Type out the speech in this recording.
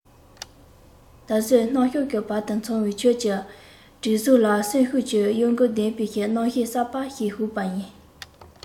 ད བཟོད སྣག ཤོག གི བར དུ འཚང བའི ཁྱོད ཀྱི གྲིབ གཟུགས ལ གསོན ཤུགས ཀྱི གཡོ འགུལ ལྡན པའི རྣམ ཤེས གསར པ ཞིག ཞུགས པ ཡིན